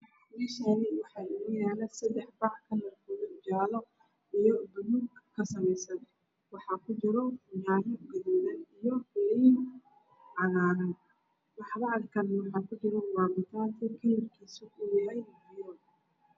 Meeshaan waxaa inoo yaala seddex bac kalarkoodu waa jaalo iyo gaduud. Waxaa kujiro yaanyo gaduudan, banbanooni cagaaran, bataati dahabi ah.